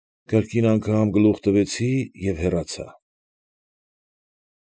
Կրկին անգամ գլուխ տվեցի և հեռացա։